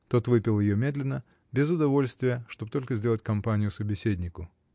Тот выпил ее медленно, без удовольствия, чтоб только сделать компанию собеседнику.